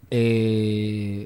Ɛɛ